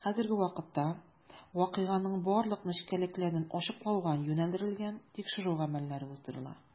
Хәзерге вакытта вакыйганың барлык нечкәлекләрен ачыклауга юнәлдерелгән тикшерү гамәлләре уздырыла.